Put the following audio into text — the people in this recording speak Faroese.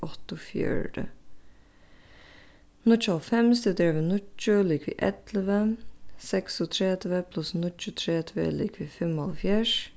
áttaogfjøruti níggjuoghálvfems dividerað við níggju er ligvið ellivu seksogtretivu pluss níggjuogtretivu er ligvið fimmoghálvfjerðs